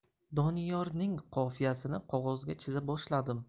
doniyorning qiyofasini qog'ozga chiza boshladim